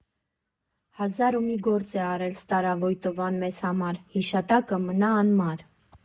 Հազար ու մի գործ է արել Ստարավոյտովան մեզ համար, հիշատակը մնա անմար։